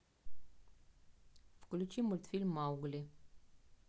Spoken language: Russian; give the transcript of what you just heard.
включи мультфильм маугли